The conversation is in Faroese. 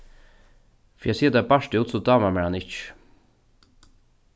fyri at siga tað bart út so dámar mær hann ikki